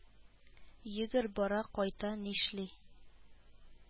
Йөгер , бара, кайта, нишли